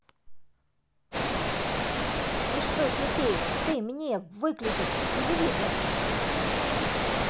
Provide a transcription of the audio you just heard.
и что теперь ты мне выключить телевизор